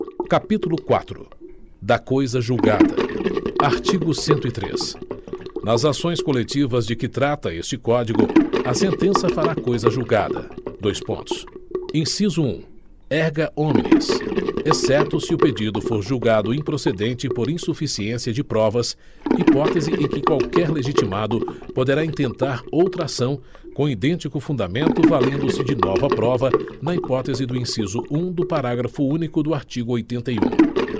capítulo quatro da coisa julgada artigo cento e três nas ações coletivas de que trata este código a sentença fará coisa julgada dois pontos inciso um erga omnes exceto se o pedido for julgado improcedente por insuficiência de provas hipótese em que qualquer legitimado poderá intentar outra ação com idêntico fundamento valendo se de nova prova na hipótese do inciso um do parágrafo único do artigo oitenta e um